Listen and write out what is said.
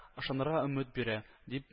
Ышанырга өмет бирә, - дип